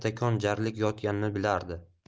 kattakon jarlik yotganini bilardi